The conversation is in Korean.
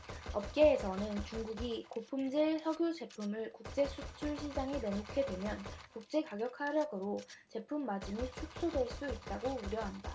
업계에서는 중국이 고품질 석유 제품을 국제 수출 시장에 내놓게 되면 국제가격 하락으로 제품 마진이 축소될 수 있다고 우려한다